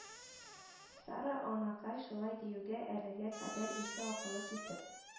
Сара анакай шулай диюгә, әлегә кадәр исе-акылы китеп,